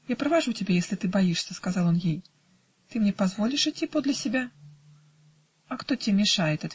"Я провожу тебя, если ты боишься, -- сказал он ей, -- ты мне позволишь идти подле себя?" -- "А кто те мешает?